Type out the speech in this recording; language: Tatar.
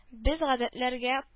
-без гадәтләргә